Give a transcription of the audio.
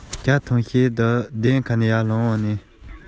ང ཚོ གསུམ པོ དྲི བ འདི དང དྲིས ལན འདི ལ